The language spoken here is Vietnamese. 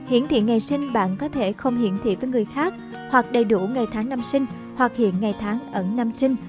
hiển thị ngày sinh bạn có thể không hiển thị với người khác hoặc đầy đủ ngày tháng năm sinh hoặc hiện ngày tháng ẩn năm sinh